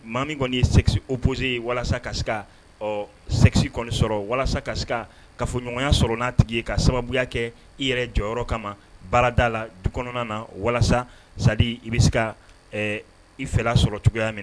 Maa min kɔni ye o ppz ye walasa ka sɛgsi kɔni sɔrɔ walasa kasi ka fɔɲɔgɔnya sɔrɔ n'a tigi ka sababuya kɛ i yɛrɛ jɔyɔrɔ yɔrɔ kama baarada la du kɔnɔna na walasa sa i bɛ se ka i fɛla sɔrɔ cogoyaya minɛ